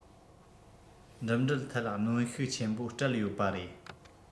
འགྲིམ འགྲུལ ཐད གནོན ཤུགས ཆེན པོ སྤྲད ཡོད པ རེད